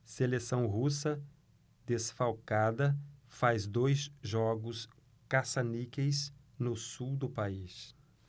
seleção russa desfalcada faz dois jogos caça-níqueis no sul do país